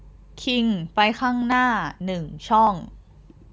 คิงไปข้างหน้าหนึ่งช่อง